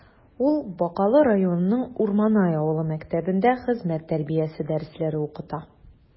Ул Бакалы районының Урманай авылы мәктәбендә хезмәт тәрбиясе дәресләре укыта.